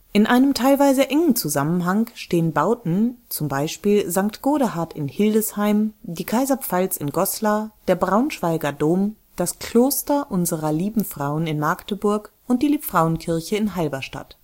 in einem teilweise engen Zusammenhang stehen Bauten z. B. in Hildesheim (St. Godehard), Goslar, der Braunschweiger Dom, das Kloster Unser Lieben Frauen in Magdeburg und die Liebfrauenkirche (Halberstadt